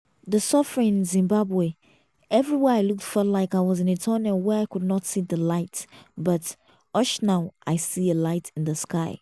The suffering in Zimbabwe, everywhere I looked felt like I was in a tunnel where I could not see the light but, hush now I see a light in the sky.